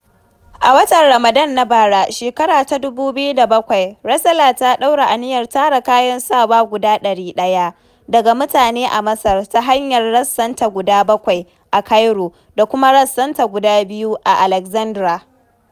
A watan Ramadan na bara (2007), Resala ta ɗaura aniyar tara kayan sawa guda dubu 100 daga mutane a Masar ta hanyar rassanta guda 7 a Cairo da kuma rassanta guda 2 a Alexandria.